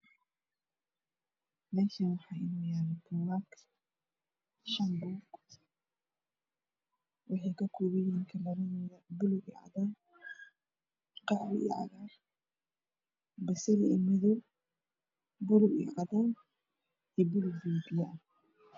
Meshan waxaa ino yalo shan buug kalar kode waa cadan iyo baluug qahwi iyo cagar baseli iyo madow iyo cadan